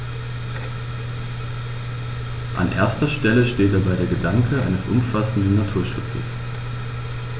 An erster Stelle steht dabei der Gedanke eines umfassenden Naturschutzes.